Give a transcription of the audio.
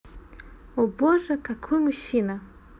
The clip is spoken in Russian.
о боже какой мужчина